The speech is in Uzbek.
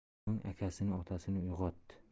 so'ng akasini otasini uyg'otdi